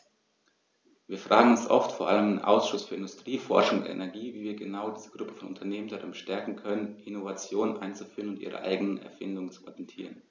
Wir fragen uns oft, vor allem im Ausschuss für Industrie, Forschung und Energie, wie wir genau diese Gruppe von Unternehmen darin bestärken können, Innovationen einzuführen und ihre eigenen Erfindungen zu patentieren.